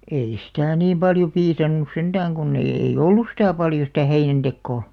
ei sitä niin paljon piisannut sentään kun ei ei ollut sitä paljon sitä heinäntekoa